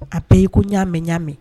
A bɛɛ ye ko n y'a mɛn n y'a mɛn